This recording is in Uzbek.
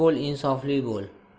bo'l insofli bo'l